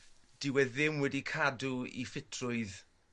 dyw e ddim wedi cadw 'i ffitrwydd